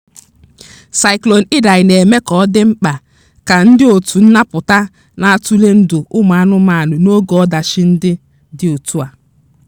Cyclone Idai na-eme ka ọ dị mkpa ka ndị otu nnapụta na-atụle ndụ ụmụ anụmanụ n'oge ọdachi ndị dị otú a.